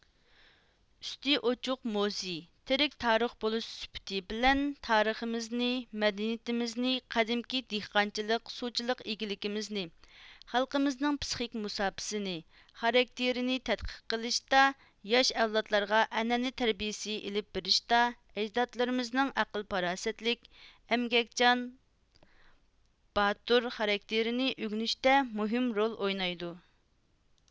ئۈستى ئۇچۇق موزىي تىرىك تارىخ بولۇش سۈپىتى بىلەن تارىخىمىزنى مەدەنىيىتىمىزنى قەدىمكى دېھقانچىلىق سۇچىلىق ئىگىلىكىمىزنى خەلقىمىزنىڭ پىسخىك مۇساپىسىنى خاراكتىرنى تەتقىق قىلىشتا ياش ئەۋلادلارغا ئەنئەنە تەربىيىسى ئېلىپ بېرىشتا ئەجدادلىرىمىزنىڭ ئەقىل پاراسەتلىك ئەمگەكچان باتۇر خاراكتېرىنى ئۆگىنىشىتە مۇھىم رول ئوينايدۇ